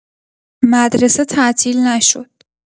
مدرسه تعطیل نشد.